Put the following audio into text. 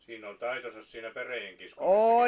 siinä oli taitonsa siinä päreidenkiskomisessakin